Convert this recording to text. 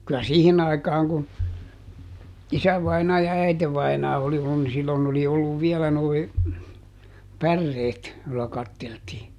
kyllä siihen aikaan kun isävainaja ja äitivainaja oli ollut niin silloin oli ollut vielä nuo päreet jolla katseltiin